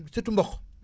surtout mboq